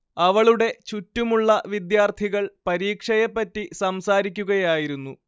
അവളുടെ ചുറ്റുമുള്ള വിദ്യാർത്ഥികൾ പരീക്ഷയെ പറ്റി സംസാരിക്കുകയായിരുന്നു